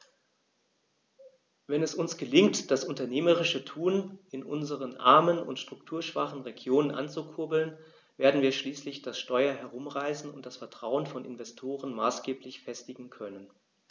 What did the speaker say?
Wenn es uns gelingt, das unternehmerische Tun in unseren armen und strukturschwachen Regionen anzukurbeln, werden wir schließlich das Steuer herumreißen und das Vertrauen von Investoren maßgeblich festigen können.